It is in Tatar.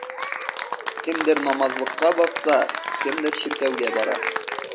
Кемдер намазлыкка басса, кемдер чиркәүгә бара.